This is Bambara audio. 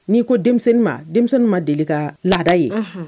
N'i ko denmisɛnnin ma denmisɛnnin ma deli ka laada ye